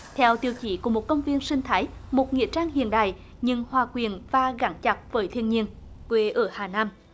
theo tiêu chí của một công viên sinh thái một nghĩa trang hiện đại nhưng hòa quyện và gắn chặt với thiên nhiên quê ở hà nam